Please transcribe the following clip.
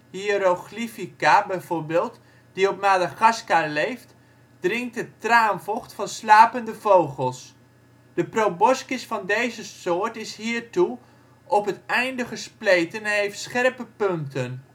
hieroglyphica bijvoorbeeld, die op Madagaskar leeft, drinkt het traanvocht van slapende vogels. De proboscis van deze soort is hiertoe op het einde gespleten en heeft scherpe punten